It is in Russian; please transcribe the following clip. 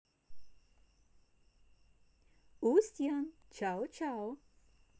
устьян чао чао